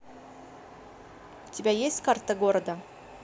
у тебя есть карта города